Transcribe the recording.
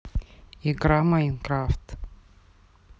игра майнкрафт